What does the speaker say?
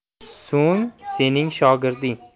so'ng sening shogirding